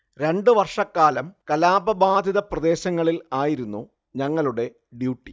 രണ്ടു വർഷക്കാലം കലാപബാധിത പ്രദേശങ്ങളിൽ ആയിരുന്നു ഞങ്ങളുടെ ഡ്യൂട്ടി